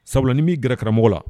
Sabulain b'i g karamɔgɔ la